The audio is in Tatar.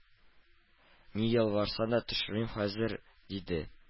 Ни ялварсаң да төшермим хәзер! — диде.